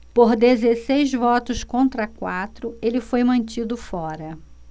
por dezesseis votos contra quatro ele foi mantido fora